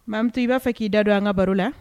Mamutu i b'a fɛ k'i da don an ka baro la.